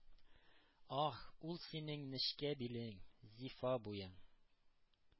Ах, ул синең нечкә билең, зифа буең!